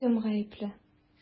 Кем гаепле?